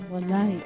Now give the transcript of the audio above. O naamure